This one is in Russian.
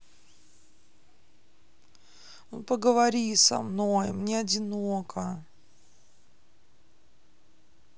поговори со мной мне одиноко